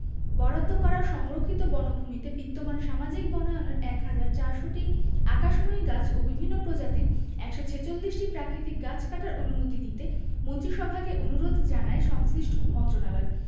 বরাদ্দ করা সংরক্ষিত বনভূমিতে বিদ্যমান সামাজিক বনায়নের ১ হাজার ৪০০টি আকাশমণি গাছ ও বিভিন্ন প্রজাতির ১৪৬টি প্রাকৃতিক গাছ কাটার অনুমতি দিতে মন্ত্রিসভাকে অনুরোধ জানায় সংশ্লিষ্ট মন্ত্রণালয়